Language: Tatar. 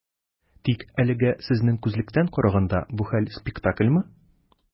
Тик әлегә, сезнең күзлектән караганда, бу хәл - спектакльмы?